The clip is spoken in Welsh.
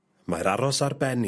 Mae'r aros ar ben i...